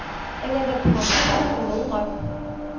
Әгәр дә томан булса, солы уңар